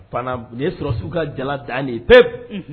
Banan nin ye Soldats ka jala dan de ye pewu. Unhun